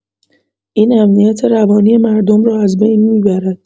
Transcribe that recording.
این امنیت روانی مردم را از بین می‌برد.